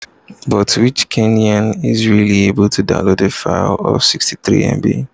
But which Kenyan is really able to download a file of 63 MB?